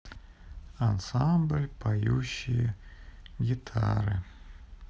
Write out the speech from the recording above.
ансамбль поющие гитары